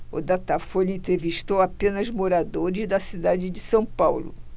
o datafolha entrevistou apenas moradores da cidade de são paulo